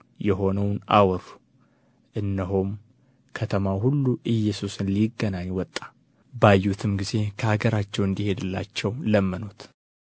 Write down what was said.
የሆነውን አወሩ እነሆም ከተማው ሁሉ ኢየሱስን ሊገናኝ ወጣ ባዩትም ጊዜ ከአገራቸው እንዲሄድላቸው ለመኑት